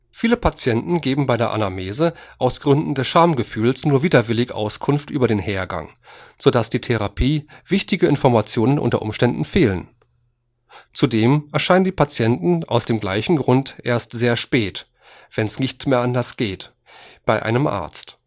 Viele Patienten geben bei der Anamnese aus Gründen des Schamgefühls nur widerwillig Auskunft über den Hergang, so dass für die Therapie wichtige Informationen unter Umständen fehlen. Zudem erscheinen die Patienten aus dem gleichen Grund erst sehr spät („ wenn 's nicht mehr anders geht “) bei einem Arzt